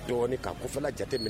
Dɔɔnin' ko fana jate minɛ